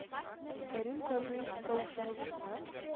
Кәрим казый каушавыннан